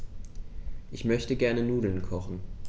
Ich möchte gerne Nudeln kochen.